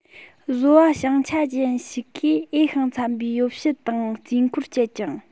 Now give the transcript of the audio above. བཟོ བ བྱང ཆ ཅན ཞིག གིས འོས ཤིང འཚམ པའི ཡོ བྱད དང རྩིས འཁོར སྤྱད ཀྱང